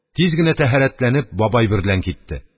Тиз генә тәһарәтләнеп, бабай берлән китте.